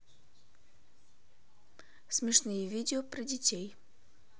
смешные видео про детей